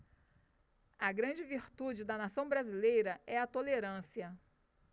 a grande virtude da nação brasileira é a tolerância